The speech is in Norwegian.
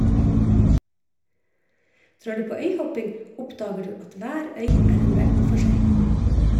Drar du på øyhopping, oppdager du at hver øy er en verden for seg.